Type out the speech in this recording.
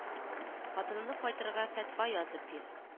Хатынымны кайтарырга фәтва язып бир